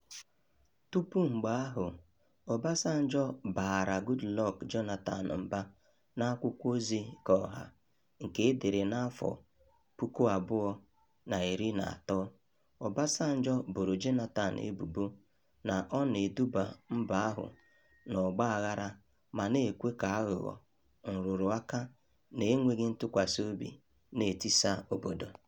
Tupu mgbe ahụ, Obasanjo baara Goodluck Jonathan mba n'akwụkwọ ozi keọha nke e dere n'afọ 2013, Obasanjo boro Jonathan ebubo na ọ na-eduba mba ahụ n'ọgbaaghara ma na-ekwe ka aghụghọ, nrụrụ aka na enweghị ntụkwasị obi na-etisa obodo.